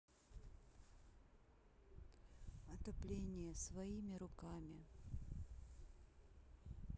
отопление своими руками